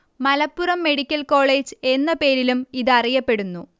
Malappuram medical college എന്ന പേരിലും ഇതറിയപ്പെടുന്നു